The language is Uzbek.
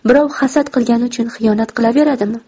birov hasad qilgani uchun xiyonat qilaveradimi